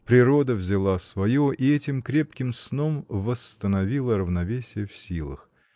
Природа взяла свое и этим крепким сном восстановила равновесие в силах.